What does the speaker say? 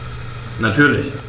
Natürlich.